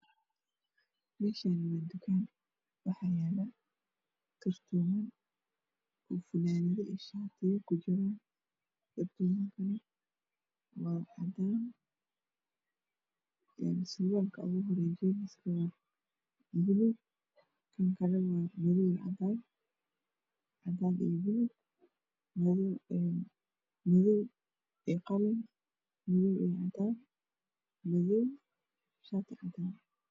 Meshani waa dukan waxaa yala kartoman funanado iyo shatiyo ku jiro kartomadana waa cadan sirwalka ugu horeya waa bulug kankalana waa madow iyo cadan madow iyo qalin iyo cadan